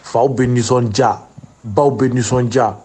Faw bɛ nisɔndiya baw bɛ nisɔndiya